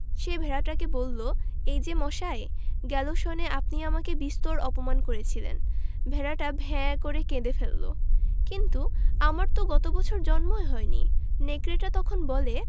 সে ভেড়াটাকে বলল এই যে মশাই গেল সনে আপনি আমাকে বিস্তর অপমান করেছিলেন ভেড়াটা ভ্যাঁ করে কেঁদে ফেলল কিন্তু আমার তো গত বছর জন্মই হয়নি নেকড়েটা তখন বলে